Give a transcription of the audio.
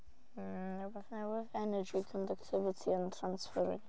Yy neu wbath newydd. Energy conductivity and transferring.